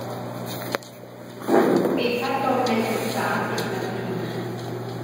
ปิดพัดลมในอีกสามสิบนาที